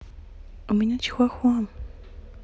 у меня чихуахуа